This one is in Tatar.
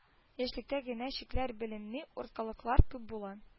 Яшьлектә генә чикләр беленми урталыклар күп була